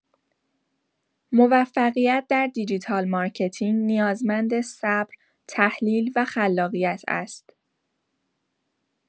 موفقیت در دیجیتال مارکتینگ نیازمند صبر، تحلیل و خلاقیت است.